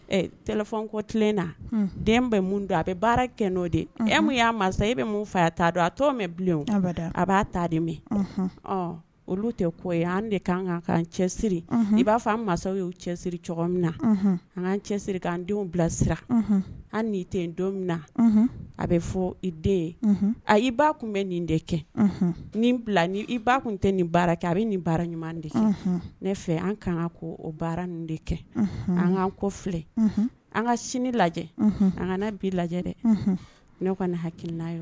T ko na den bɛ mun don a bɛ baara kɛ n'o demu y'a mansa i bɛ mun fa ta dɔn a' mɛn bilen a b'a ta de mɛn olu tɛ ko an de kan ka cɛsiri i b'a fɔ mansaw y' cɛsiri cogo min na an'an cɛsiri k' denw bilasira an ni tɛ n don min na a bɛ fɔ i den ye a i ba kun bɛ nin de kɛ nin bila i ba kun tɛ nin baara kɛ a bɛ nin baara ɲuman de ne fɛ an kan ko o baara nin de kɛ an'an ko filɛ an ka sini lajɛ an kana bi lajɛ dɛ ne ka hakiliki ye